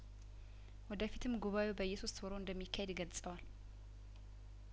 ወደፊትም ጉባኤው በየሶስት ወሩ እንደሚካሄድ ገልጸዋል